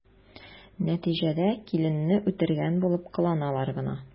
Нәтиҗәдә киленне үтергән булып кыланалар гына.